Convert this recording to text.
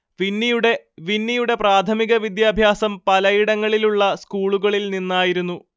വിന്നിയുടെ പ്രാഥമിക വിദ്യാഭ്യാസം പലയിടങ്ങളിലുള്ള സ്കൂളുകളിൽ നിന്നായിരുന്നു